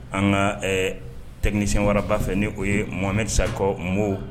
An ka tɛgsin waraba fɛ ni o ye mohamesa kɔ m